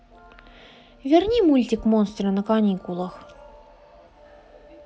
верни мультик монстры на каникулах